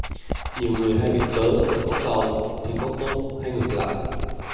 nhiều người hay viện cớ có cầu thì có cung hay ngược lại